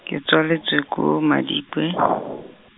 ke tswaletswe ko Madikwe.